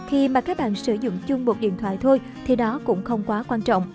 khi mà các bạn sử dụng chung điện thoại thôi thì đó cũng không quá quan trọng